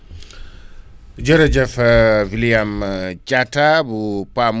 jërëjëf William Diatta bu PAM